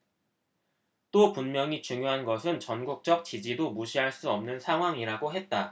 또 분명히 중요한 것은 전국적 지지도 무시할 수 없는 상황이라고 했다